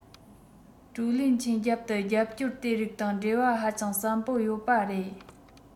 ཀྲུའུ ལི ཆན རྒྱབ ཏུ རྒྱབ སྐྱོར དེ རིགས དང འབྲེལ བ ཧ ཅང ཟབ པོ ཡོད པ རེད